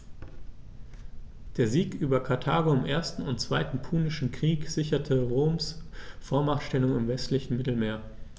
Der Sieg über Karthago im 1. und 2. Punischen Krieg sicherte Roms Vormachtstellung im westlichen Mittelmeer.